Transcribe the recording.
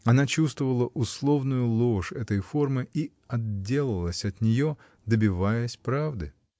Она чувствовала условную ложь этой формы и отделалась от нее, добиваясь правды.